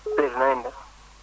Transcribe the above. Seydou na ngeen def